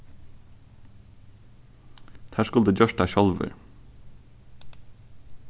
teir skuldu gjørt tað sjálvir